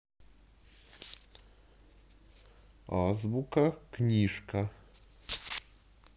азбука книжка